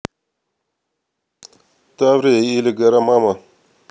таврия или гора мама